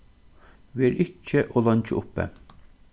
ver ikki ov leingi uppi